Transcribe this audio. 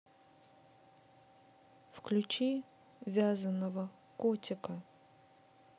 включи вязаного котика